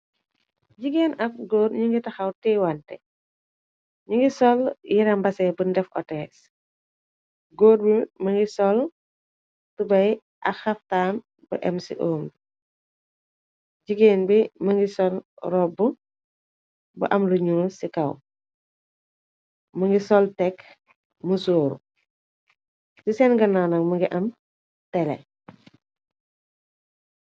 Jigeen ak góor ñi ngi taxaw tiiwante, ñi ngi sol yire mbase bu ndef otees, góor bi më ngi sol tubay ak xaftaan bu em ci umbi, jigeen bi mëngi sol robbu bu am lu ñuul ci kaw, më ngi sol tekk musóoru, ci seen gannaw nak më ngi am tele.